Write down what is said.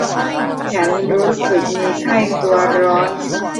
ฉันรู้สึกมีไข้ตัวร้อน